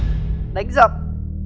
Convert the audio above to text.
đánh giặc